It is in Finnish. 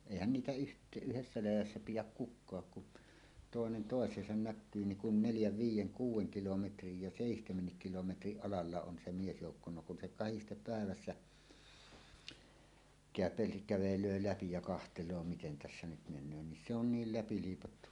eihän niitä - yhdessä läjässä pidä kukaan kun toinen toiseensa näkyy niin kun neljän viiden kuuden kilometrin ja seitsemänkin kilometrin alalla on se miesjoukko no kun se kahdesti päivässä käpeästi kävelee läpi ja katsoo miten tässä nyt menee niin se on niin läpi liipattu